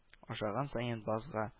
Ашаган саен базга